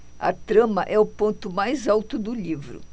a trama é o ponto mais alto do livro